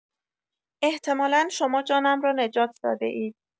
احتمالا شما جانم را نجات داده‌اید.